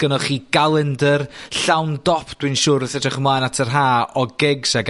...gynnoch chi galendyr llawn dop, dwi'n siŵr w'th edrych ymlaen at yr Ha', o gigs ag